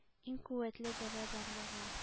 Иң куәтле дәва барлыгын!